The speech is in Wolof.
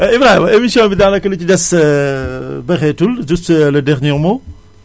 Ibrahima émission bi daanaka li ci des bareetul juste le dernier mot